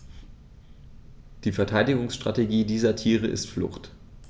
Die Verteidigungsstrategie dieser Tiere ist Flucht.